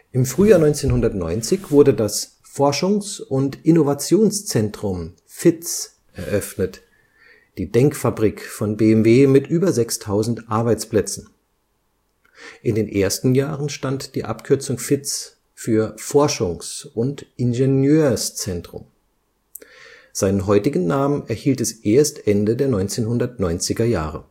Im Frühjahr 1990 wurde das „ Forschungs - und Innovationszentrum “(FIZ) eröffnet, die „ Denkfabrik “von BMW mit über 6.000 Arbeitsplätzen. In den ersten Jahren stand die Abkürzung für „ Forschungs - und Ingenieurzentrum “, seinen heutigen Namen erhielt es erst Ende der 90er Jahre